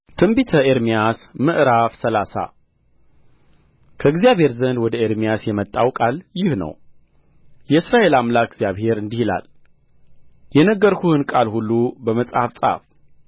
ትንቢተ ኤርምያስ ምዕራፍ ሰላሳ ከእግዚአብሔር ዘንድ ወደ ኤርምያስ የመጣው ቃል ይህ ነው የእስራኤል አምላክ እግዚአብሔር እንዲህ ይላል የነገርሁህን ቃል ሁሉ በመጽሐፍ ጻፍ